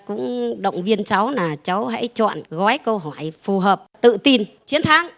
cũng động viên cháu là cháu hãy chọn gói câu hỏi phù hợp tự tin chiến thắng